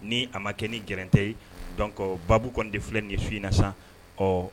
Ni a ma kɛ ni garan tɛ ye dɔn baa kɔni de filɛ nin fi i na sa ɔ